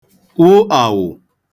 wụ àwụ̀